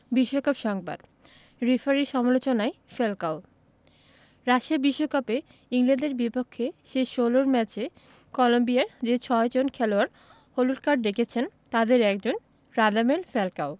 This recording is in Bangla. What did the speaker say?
বিশ্বকাপ সংবাদ রেফারির সমালোচনায় ফ্যালকাও রাশিয়া বিশ্বকাপে ইংল্যান্ডের বিপক্ষে শেষ ষোলোর ম্যাচে কলম্বিয়ার যে ছয়জন খেলোয়াড় হলুদ কার্ড দেখেছেন তাদের একজন রাদামেল ফ্যালকাও